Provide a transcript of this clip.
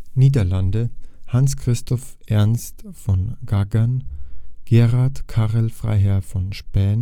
Niederlande Hans Christoph Ernst von Gagern – Gerard Karel Freiherr von Spaen